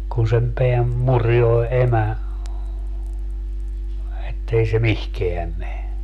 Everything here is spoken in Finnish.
kun sen pään murjoo emä että ei se mihinkään mene